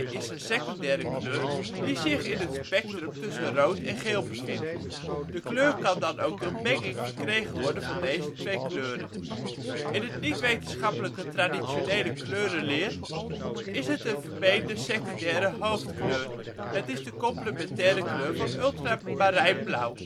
is een secundaire kleur die zich in het spectrum tussen rood en geel bevindt. De kleur kan dan ook door menging verkregen worden met deze twee kleuren. In de niet-wetenschappelijke traditionele kleurenleer is het een vermeende secundaire hoofdkleur. Het is de complementaire kleur van ultramarijnblauw